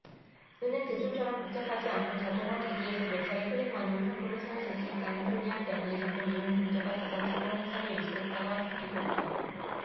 은행 대출처럼 복잡하지 않고 자동화기기에서 몇 차례 클릭만으로 현금을 손에 쥘 수 있다는 편리함 때문에 점점 이용 빈도가 잦아지고 한 차례 연체했다가 갚기도 했다